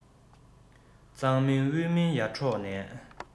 གཙང མིན དབུས མིན ཡར འབྲོག ནས